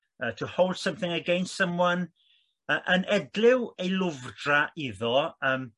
yy to hold something against someone* yy yn edlyw ei lofdra iddo